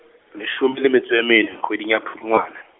leshome le metso e mene, kgweding ya Pudungwane.